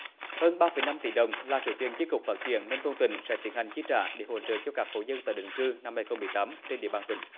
hơn ba phẩy năm tỷ đồng là số tiền chi cục phát triển nông thôn tỉnh sẽ tiến hành chi trả để hỗ trợ cho các hộ dân tái định cư năm hai không mười tám trên địa bàn tỉnh